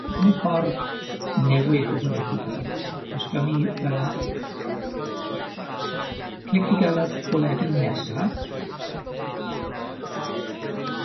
Ac yn y ffordd newydd o fynegi pwpeth, os gawn ni yy, clic i ga'l y bwledi nesaf,